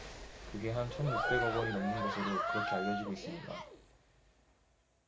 그게 한 천 육백 억 원이 넘는 것으로 그렇게 알려지고 있습니다